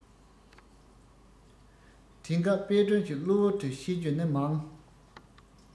དེ སྐབས དཔལ སྒྲོན གྱི གློ བུར དུ བཤད རྒྱུ ནི མང